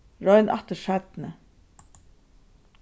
royn aftur seinni